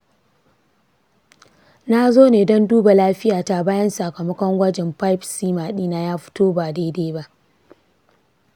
na zo ne don duba lafiyata bayan sakamakon gwajin pap smear ɗina ya fito ba daidai ba.